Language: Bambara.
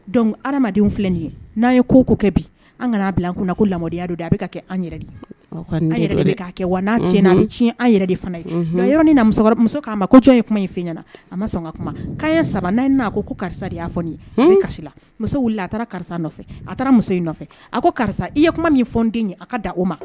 Dɔnku adamadenw filɛ nin ye n'a ye ko ko kɛ bi an ka' bila kun ko ladenyaya don a bɛ ka kɛ an yɛrɛ yɛrɛ kɛ wa n' ti tiɲɛ an yɛrɛ de fana ye nka yɔrɔ muso k'a ma ko jɔn ye kuma ye fɛn ɲɛnaɲɛna a ma sɔn ka kuma'a ye saba n'a n'a ko karisa de y'a fɔ karisa muso wulila a taara karisa nɔfɛ a muso nɔfɛ a ko karisa i ye kuma min fɔ n den ye aw ka da o ma